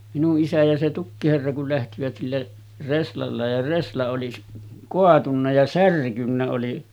minun isä ja se tukkiherra kun lähtivät sillä reslalla ja resla oli - kaatunut ja särkynyt oli